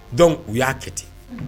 Dɔnku u y'a kɛ ten